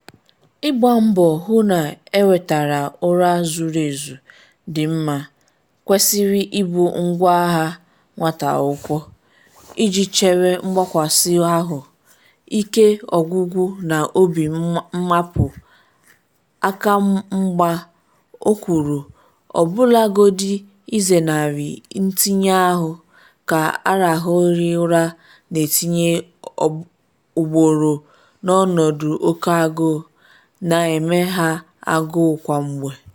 Ịgba mbọ hụ na inwetara ụra zuru ezu, dị mma, kwesịrị ịbụ ngwa agha nwata akwụkwọ’ iji chere mgbakasị ahụ, ike ọgwụgwụ na obi mmapụ aka mgba, o kwuru - ọbụlagodi izenari ntinye ahụ, ka arahụghị ụra na-etinye ụbụrụ n’ọnọdụ oke agụụ, na-eme ha agụụ kwa mgbe.